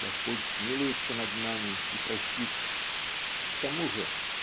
"Господь смилуется над нами и простит". К тому же